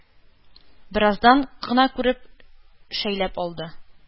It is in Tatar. Бераздан гына күреп-шәйләп алды.